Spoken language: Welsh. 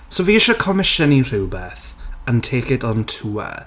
So fi eisiau comisiynu rhywbeth. And take it on tour.